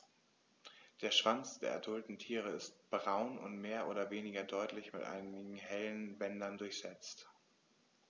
Der Schwanz der adulten Tiere ist braun und mehr oder weniger deutlich mit einigen helleren Bändern durchsetzt.